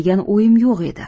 degan o'yim yo'q edi